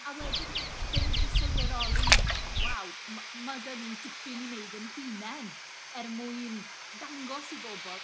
A wedi 'ny, dan ni 'di sylwi mewn ffordd waw, "ma' ma' 'da ni dipyn i wneud ein hunain er mwyn dangos i bobl".